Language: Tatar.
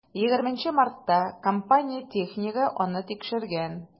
20 мартта компания технигы аны тикшергән.